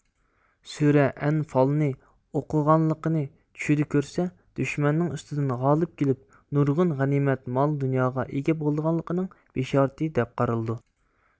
سۈرە ئەنفالنى ئوقۇغانلىقىنى چۈشىدە كۆرسە دۈشمەننىڭ ئۈستىدىن غالىپ كېلىپ نۇرغۇن غەنىمەت مال دۇنياغا ئىگە بولىدىغانلىقىنىڭ بىشارىتى دەپ قارىلىدۇ